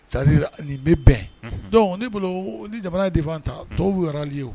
Sa nin bɛ bɛn dɔn ne bolo ni jamana de fana ta tɔwliye